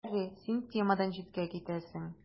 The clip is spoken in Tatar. Гарри: Син темадан читкә китәсең.